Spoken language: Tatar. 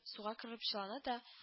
Суга кереп чыланада